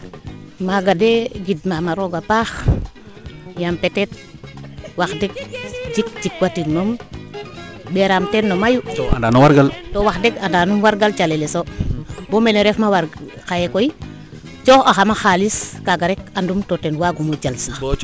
maaga de gidmam rooga paax yaam peut etre wax deg jik jikwa tin moom mberaam teen no mayu to wadx deg anda num wargal cales o bo mene refma xaye koy coox axama xalis kaaga rek andum to ten waagumo jal